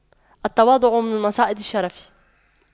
التواضع من مصائد الشرف